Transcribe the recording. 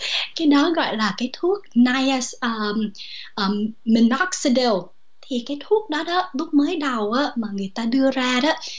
cái đó gọi là cây thuốc nai ò àm mình nô hoc sen đâu thì cái thuốc đó đó lúc mới đầu ớ mà người ta đưa ra đó